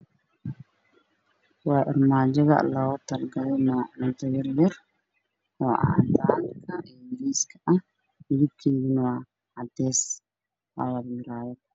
Waa armaajada loogu talagalay macuunta yar yar oo cadaan oo yariis ah midabkeeduna waa cadays waana muraayad